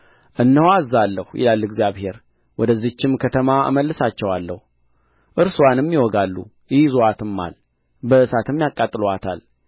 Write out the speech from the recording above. እነሆ አዝዛለሁ ይላል እግዚአብሔር ወደዚህችም ከተማ እመልሳቸዋለሁ እርስዋንም ይወጋሉ ይይዙአትማል በእሳትም ያቃጥሉአታል